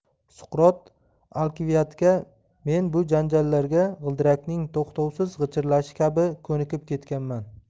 suqrot alkiviadga men bu janjallarga g'ildirakning to'xtovsiz g'irchillashi kabi ko'nikib ketganman